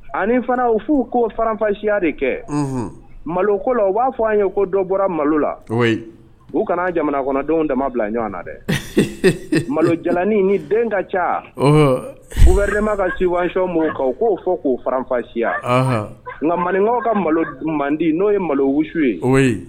Ani fana'u ko farafasiya de kɛ malokololɔ u b'a fɔ an ye ko dɔ bɔra malo la u kana jamana kɔnɔdenw dama bila ɲɔgɔn na dɛ malojain ni den ka ca u bɛma ka siway mɔgɔw kan u k'o fɔ k'o fafasiya nka maninkaw ka malo mandi n'o ye malo wusu ye